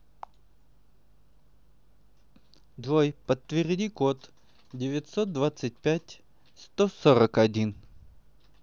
джой подтверди код девятьсот двадцать пять сто сорок один